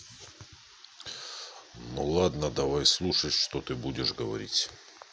ну ладно давай слушать что ты будешь говорить